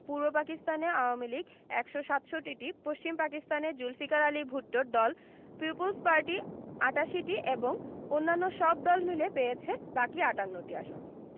পূর্ব পাকিস্তানে আওয়ামী লীগ ১৬৭টি পশ্চিম পাকিস্তানে জুলফিকার আলী ভুট্টোর দল পিপল্স পার্টি ৮৮টি এবং অন্যান্য সব দল মিলে পেয়েছে বাকি ৫৮টি আসন